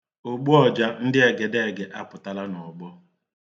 Ogbuọja ndị egedeege apụtala n'ọgbọ.